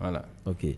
H oke